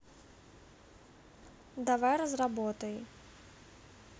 давай разработай